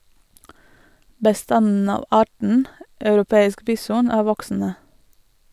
Bestanden av arten europeisk bison er voksende.